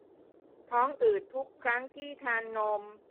ท้องอืดทุกครั้งที่ทานนม